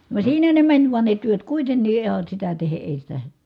vaan siinä ne meni vain ne työt kuitenkin ihan sitä tehden ei sitä